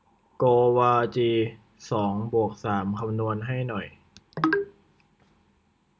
โกวาจีสองบวกสามคำนวณให้หน่อย